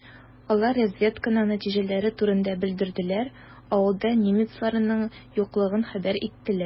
Алар разведканың нәтиҗәләре турында белдерделәр, авылда немецларның юклыгын хәбәр иттеләр.